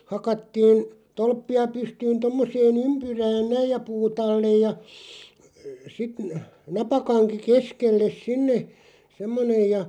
hakattiin tolppia pystyyn tuommoiseen ympyrään näin ja puut alle ja sitten - napakanki keskelle sinne semmoinen ja